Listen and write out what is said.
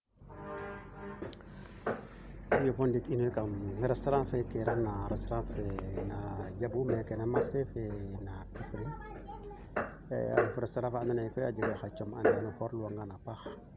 iyoo joka njal a paax Khary Faye ndiiki koy ole bug oonga laamit ten refuye ne kiina leytaaye ka juli a ba jeg kene mba xene de kaa jang na baa jeg kene